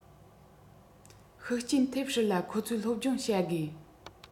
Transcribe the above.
ཤུགས རྐྱེན ཐེབས སྲིད ལ ཁོང ཚོའི སློབ སྦྱོང བྱ དགོས